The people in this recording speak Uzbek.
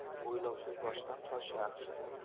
o'ylovsiz boshdan tosh yaxshi